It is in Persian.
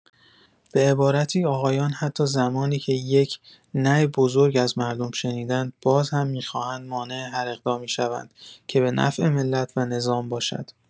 به عبارتی آقایان حتی زمانی که یک نه بزرگ از مردم شنیدند، باز هم می‌خواهند مانع هر اقدامی شوند که به نفع ملت و نظام باشد.